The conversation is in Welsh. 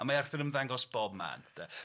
A mae Arthur yn ymddangos bob man 'de.